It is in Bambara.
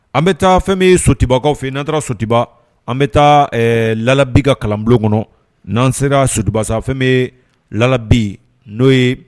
An bɛ taa fɛn bɛ sotiba fɛ nan taara sotiba an bɛ taa labi ka kalanbu kɔnɔ n'an sera sotubasa fɛn bɛ labi n'o ye